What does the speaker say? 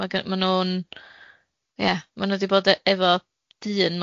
ma' g- mae nw'n ia ma' nw di bod e- efo dyn